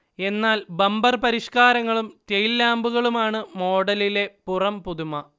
എന്നാൽ ബമ്പർ പരിഷ്കാരങ്ങളും ടെയിൽ ലാമ്പുകളുമാണ് മോഡലിലെ പുറംപുതുമ